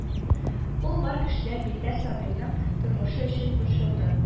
Ул бар кешедән битәр Сабирның тормышы өчен борчылды